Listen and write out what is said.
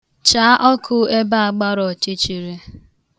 Chaa ọkụ ebe a gbara ọchịchịrị.